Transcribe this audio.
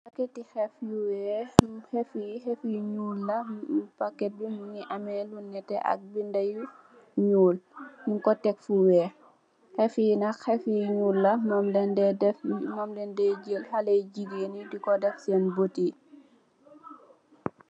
Paketti xef yu wèèx, xef yi xef yu ñuul la. Paketti bi mugii ameh lu netteh ak binda yu ñuul , ñing ko tek fu wèèx. Xef yi nak xef yu ñuul la, xalèh gigeen yi mum lañ déé jél diko def sèèn bët yi.